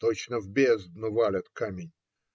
Точно в бездну валят камень.